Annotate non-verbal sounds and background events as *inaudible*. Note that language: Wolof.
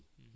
*hesitation* *hesitation*